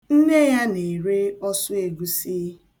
Nne ya na-ere ọsụegusi.